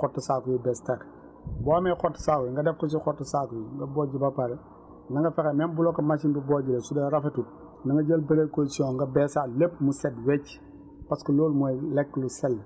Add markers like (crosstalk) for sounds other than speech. xottu saako yu bees tàq (noise) boo amee xottu saaku yi nga def ko si xottu saaku yi nga bojj ba pare na nga fexe même bu la ko machine bi bojjalee su dee rafetul na nga jël précaution nga beesaat lépp mu set wécc parce que loolu mooy lekk lu sell